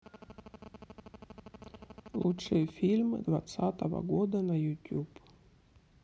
лучшие фильмы двадцатого года на ютуб